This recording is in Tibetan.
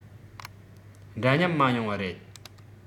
འདྲ མཉམ མ ཡོང བ རེད